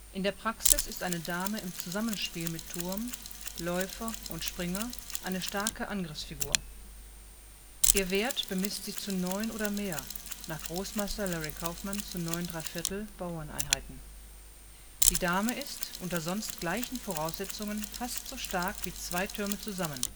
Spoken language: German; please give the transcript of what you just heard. In der Praxis ist eine Dame im Zusammenspiel mit Turm, Läufer und Springer eine starke Angriffsfigur. Ihr Wert bemisst sich zu neun oder mehr (nach Großmeister Larry Kaufman zu 93⁄4) Bauerneinheiten. Die Dame ist, unter sonst gleichen Voraussetzungen, fast so stark wie zwei Türme zusammen